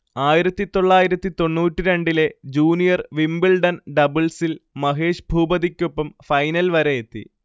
ആയിരത്തിതൊള്ളായിരത്തിത്തൊണ്ണൂറ്റിരണ്ടി ലെ junior Wimbledon ഡബിൾസിൽ മഹേഷ് ഭൂപതിക്കൊപ്പം ഫൈനൽ വരെയെത്തി